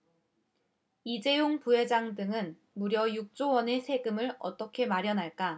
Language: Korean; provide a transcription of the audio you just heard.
이재용 부회장 등은 무려 육 조 원의 세금을 어떻게 마련할까